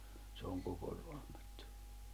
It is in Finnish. se on koko Raamattu